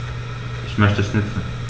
Ich möchte Schnitzel.